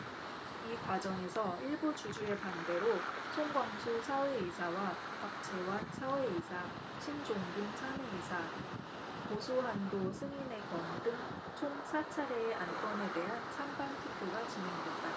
이 과정에서 일부 주주의 반대로 송광수 사외이사와 박재완 사외이사 신종균 사내이사 이사 보수한도 승인의 건 등 총 사 차례의 안건에 대한 찬반 투표가 진행됐다